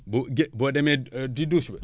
bu gé boo demee di douche ba